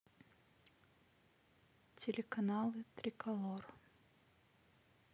телеканалы триколор